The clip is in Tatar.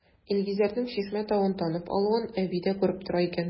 Илгизәрнең Чишмә тавын танып алуын әби дә күреп тора икән.